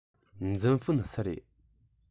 འཛིན དཔོན སུ རེད